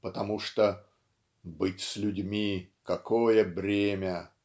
потому что "быть с людьми -- какое бремя!".